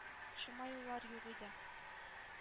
Шома юллар юк иде.